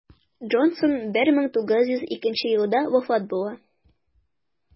Джонсон 1902 елда вафат була.